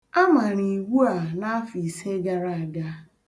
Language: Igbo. A mara iwu a n'afọ ise gara aga.